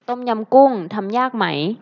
ต้มยำกุ้งทำยากไหม